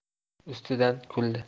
ustidan kuldi